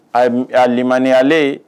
Ayiwa alilima ale